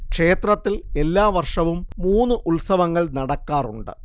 ക്ഷേത്രത്തിൽ എല്ലാ വർഷവും മൂന്ന് ഉത്സവങ്ങൾ നടക്കാറുണ്ട്